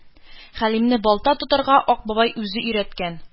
Хәлимне балта тотарга Ак бабай үзе өйрәткән.